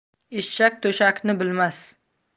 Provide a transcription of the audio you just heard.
eshak to'shakni bilmas